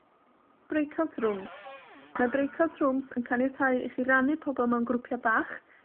Brakeout Rooms.. Mae Brakeout Rooms yn caniatáu i chi rannu pobol mewn grwpia' bach